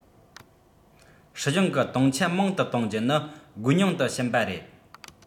སྲིད གཞུང གི གཏོང ཆ མང དུ གཏོང རྒྱུ ནི དགོས ཉུང དུ ཕྱིན པ རེད